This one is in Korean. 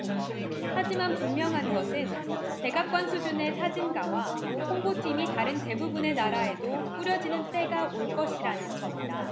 하지만 분명한 것은 백악관 수준의 사진가와 홍보팀이 다른 대부분의 나라에도 꾸려지는 때가 올 것이라는 점이다